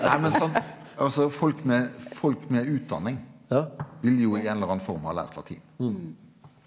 nei men sant altså folk med folk med utdanning vil jo i ein eller anna form ha lært latin.